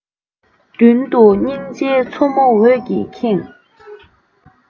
མདུན དུ སྙིང རྗེའི མཚོ མོ འོད ཀྱིས ཁེངས